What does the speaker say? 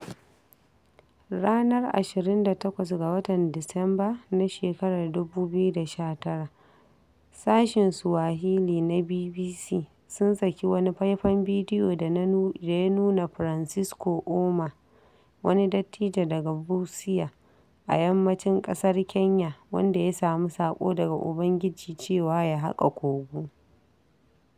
Ranar 26 ga watan Disamba na shekarar 2019, sashen Swahili na BBC sun saki wani faifan bidiyo da ya nuna Francisco Ouma, wani dattijo daga Busia a yammacin ƙasar Kenya, wanda ya sami saƙo daga ubangiji cewa ya haƙa kogo.